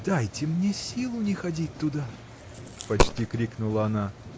— Дайте мне силу не ходить туда! — почти крикнула она.